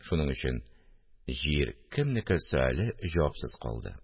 Шуның өчен «Җир кемнеке?..» сөале җавапсыз калды